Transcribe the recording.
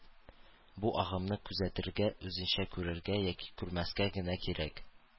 Бу агымны күзәтергә, үзеңчә күрергә, яки күрмәскә генә кирәк